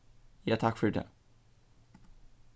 ja takk fyri tað